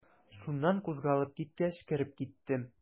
Шуннан кузгалып киткәч, кереп киттем.